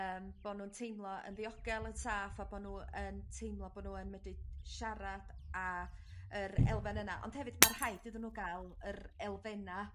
yym bo' nw'n teimlo yn ddiogel yn saff a bo' nw yn teimlo bo' nw yn medru siarad a yr elfen yna ond hefyd ma rhaid iddyn nw ga'l yr elfenna